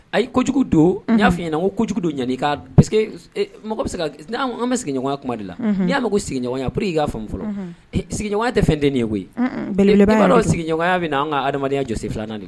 A' kojugu don ni y'a fɔi ɲɛna ko jugu don ɲani ka mɔgɔ se an bɛ sigiɲɔgɔnya kuma de la n'i y'a ma ko sigiɲɔgɔnya p ii'afɔlɔ sigiɲɔgɔnya tɛ fɛnden ye koyi ye bɛɛelelɛdɔ sigiɲɔgɔnya bɛ' an ka ha adamadenyaya jɔ sen filanan naani de la